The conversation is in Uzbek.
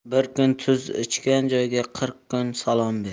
bir kun tuz ichgan joyga qirq kun salom ber